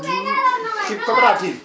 kii coopérative